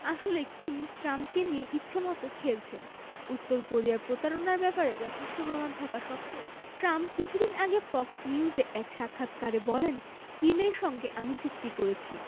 আসলে কিম ট্রাম্পকে নিয়ে ইচ্ছেমতো খেলছেন উত্তর কোরিয়ার প্রতারণার ব্যাপারে যথেষ্ট প্রমাণ থাকা সত্ত্বেও ট্রাম্প কিছুদিন আগে ফক্স নিউজে এক সাক্ষাৎকারে বলেন কিমের সঙ্গে আমি চুক্তি করেছি